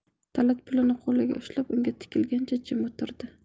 talat pulni qo'lida ushlab unga tikilganicha jim o'tirdi